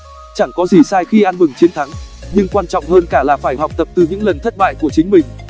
chẳng có gì sai khi ăn mừng chiến thắng nhưng quan trọng hơn cả là phải học tập từ những lần thất bại của chính mình